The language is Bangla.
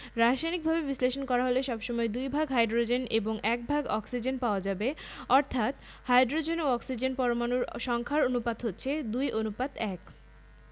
এগুলোকে কৃত্রিম মৌল বলে তুমি কি জানো তোমার শরীরে মোট ২৬ ধরনের ভিন্ন ভিন্ন মৌল আছে